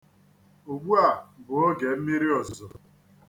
Ugbua bụ oge mmirirozuzo.